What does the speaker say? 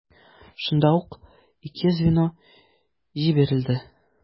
Шунда ук ике звено җибәрелде.